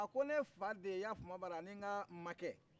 a ko ne fa d'e ye ani n ka makɛ